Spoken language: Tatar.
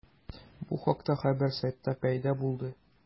Бу хакта хәбәр сайтта пәйда булды.